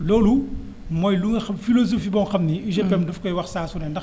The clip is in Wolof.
loolu mooy lu nga xam philosophie boo xam ni UGPM daf koy wax saa su ne ndax